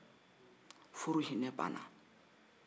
furu hinɛ banna